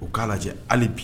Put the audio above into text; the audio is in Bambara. O k'a lajɛ hali bi